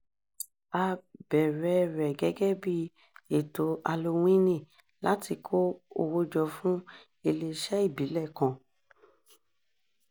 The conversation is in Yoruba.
A bẹ̀rẹ̀ ẹ rẹ̀ gẹ́gẹ́ bíi ètò Halowíìnì láti kó owó jọ fún ilé-iṣẹ́ ìbílẹ̀ kan.